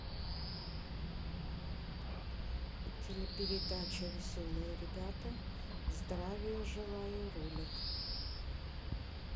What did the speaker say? телепередача веселые ребята здравия желаю ролик